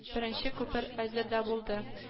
Беренче күпер әзер дә булды